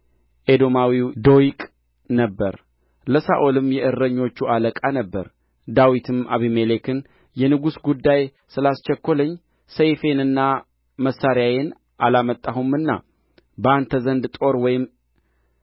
ኤዶማዊው ዶይቅ ነበረ ለሳኦልም የእረኞቹ አለቃ ነበረ ዳዊትም አቢሜሌክን የንጉሥ ጉዳይ ስላስቸኰለኝ ሰይፌንና መሣሪያዬን አላመጣሁምና በአንተ ዘንድ ጦር ወይም